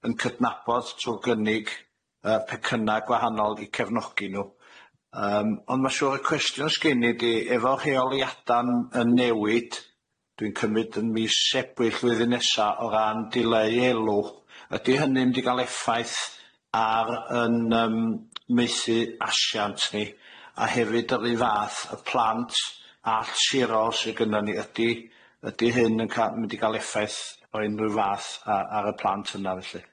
yn cydnabodd trw' gynnig yy pecynna gwahanol i cefnogi nhw. Yym ond ma' siŵr y cwestiwn sy' gin i ydi efo rheoliada'n yn newid, dwi'n cymyd yn mis Ebrill flwyddyn nesa o ran dileu elw, ydi hynny mynd i ga'l effaith ar yn yym maethu asiant ni? A hefyd yr un fath y plant all-sirol sy' gynnon ni ydi ydi hyn yn ca- mynd i ga'l effaith o unrhyw fath a- ar y plant yna felly?